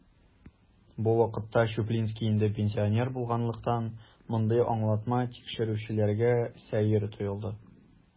Бу вакытка Чуплинский инде пенсионер булганлыктан, мондый аңлатма тикшерүчеләргә сәер тоелды.